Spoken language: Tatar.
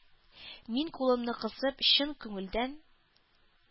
Мин кулыңны кысып, чын күңелдән: